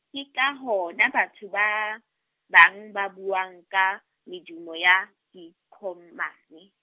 ke ka hona, batho ba, bang ba buang ka, medumo ya, diqhomane.